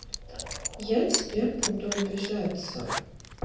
я тебя буду обижаться